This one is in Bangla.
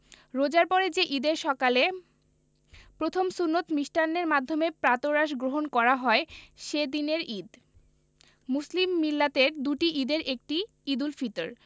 রোজার পরে যে ঈদের সকালে প্রথম সুন্নত মিষ্টান্নের মাধ্যমে প্রাতরাশ গ্রহণ করা হয় সে দিনের ঈদ মুসলিম মিল্লাতের দুটি ঈদের একটি ঈদুল ফিতর